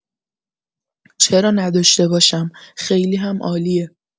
چرا نداشته باشم، خیلی هم عالیه.